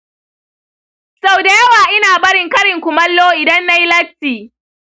sau da yawa ina barin karin kumallo idan na yi latti.